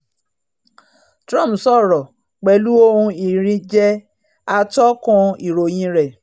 Trump sọ̀rọ̀ pẹ̀lú ohun ìsínjẹ ''atọ́kùn ìròyìn rẹ̀."